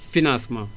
financement